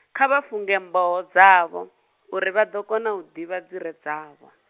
kha vha funge mboho dzavho, uri vha ḓo kona u ḓivha dzire dzavho.